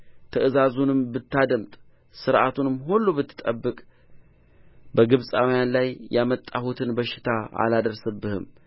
ትእዛዙንም ብታደምጥ ሥርዓቱንም ሁሉ ብትጠብቅ በግብፃውያን ላይ ያመጣሁትን በሽታ አላደርስብህም